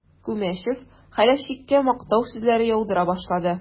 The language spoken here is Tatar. Күмәчев Хәләфчиккә мактау сүзләре яудыра башлады.